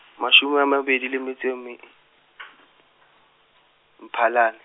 mashome a mabedi, le metso e mme-, Mphalane.